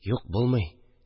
Юк, булмый